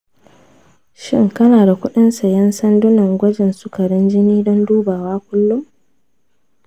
shin kana da kuɗin sayen sandunan gwajin sukarin jini don dubawa kullum?